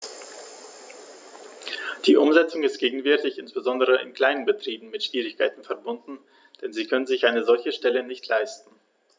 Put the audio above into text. Die Umsetzung ist gegenwärtig insbesondere in kleinen Betrieben mit Schwierigkeiten verbunden, denn sie können sich eine solche Stelle nicht leisten.